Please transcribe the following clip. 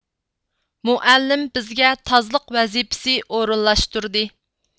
مۇئەللىم بىزگە تازلىق ۋەزىپىسى ئورۇنلاشتۇردى